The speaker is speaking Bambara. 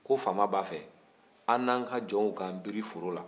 ko fama b'a fɛ an n'an ka jɔnw k'an biri fɔrɔ la